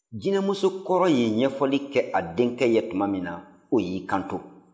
jinɛmusokɔrɔ in ye ɲɛfɔli kɛ a denkɛ ye tuma min na o y'i kanto